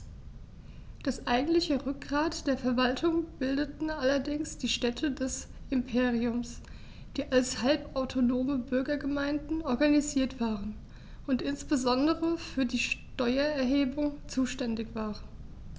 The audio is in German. Das eigentliche Rückgrat der Verwaltung bildeten allerdings die Städte des Imperiums, die als halbautonome Bürgergemeinden organisiert waren und insbesondere für die Steuererhebung zuständig waren.